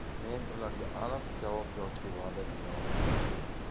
men ularga aniq javob yoki va'da bera olmadim